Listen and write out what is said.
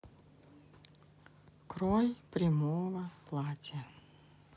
крой прямого платья